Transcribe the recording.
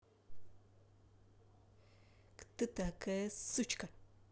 кто такая сучка